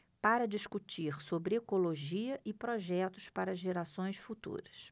para discutir sobre ecologia e projetos para gerações futuras